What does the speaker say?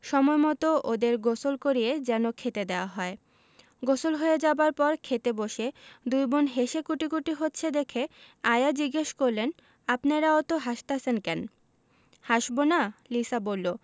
সময়মত ওদের গোসল করিয়ে যেন খেতে দেওয়া হয় গোসল হয়ে যাবার পর খেতে বসে দুই বোন হেসে কুটিকুটি হচ্ছে দেখে আয়া জিজ্ঞেস করলেন আপনেরা অত হাসতাসেন ক্যান হাসবোনা লিসা বললো